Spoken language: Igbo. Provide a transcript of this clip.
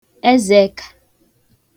ezàekā